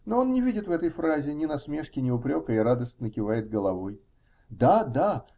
Но он не видит в этой фразе ни насмешки, ни упрека и радостно кивает головой: -- Да, да.